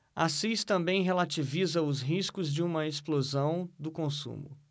assis também relativiza os riscos de uma explosão do consumo